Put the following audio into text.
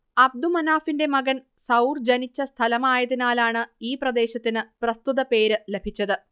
അബ്ദുമനാഫിന്റെ മകൻ സൗർ ജനിച്ച സ്ഥലമായതിനാലാണ് ഈ പ്രദേശത്തിന് പ്രസ്തുത പേര് ലഭിച്ചത്